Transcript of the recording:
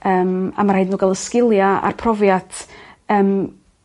Yym a ma' raid n'w ga'l y sgilia ar profiat yym